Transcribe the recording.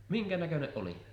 minkä näköinen oli